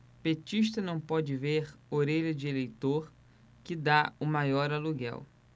petista não pode ver orelha de eleitor que tá o maior aluguel